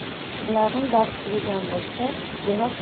ularning darsi tugagan bo'lsa demak